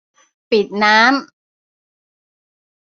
ปิดน้ำ